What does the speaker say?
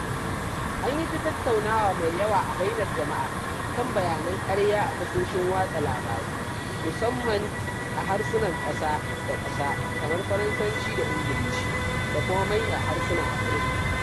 An yi ta tattaunawa mai yawa a bainar jama'a kan bayanan ƙarya a tashoshin watsa labaru, musamman a harsunan ƙasa da ƙasa kamar Faransanci da Ingilishi, da kuma manyan harsunan Afirka.